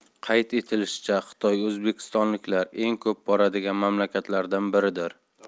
qayd etilishicha xitoy o'zbekistonliklar eng ko'p boradigan mamlakatlardan biridir